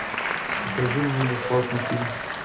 покажи мне бесплатные фильмы